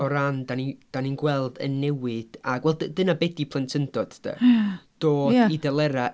O ran dan ni dan ni'n gweld y newid a wel d- dyna be' ydy plentyndod de... ia, ia ...dod i delerau.